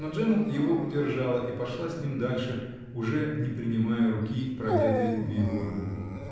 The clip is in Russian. но, Джемма его удержала и пошла с ним дальше, уже не принимая руки, продетой в его руку.